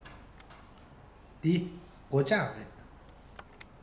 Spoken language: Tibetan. འདི སྒོ ལྕགས རེད